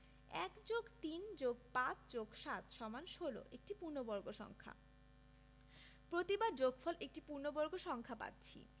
১+৩+৫+৭=১৬ একটি পূর্ণবর্গ সংখ্যা প্রতিবার যোগফল একটি পূর্ণবর্গ সংখ্যা পাচ্ছি